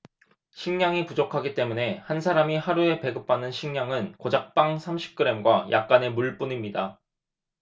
식량이 부족하기 때문에 한 사람이 하루에 배급받는 식량은 고작 빵 삼십 그램과 약간의 물뿐입니다